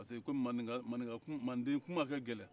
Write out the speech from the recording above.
parce que manden kuma ka gɛlɛen